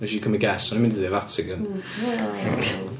Wnes i gymryd guess, o'n i'n mynd i ddeud Vatican.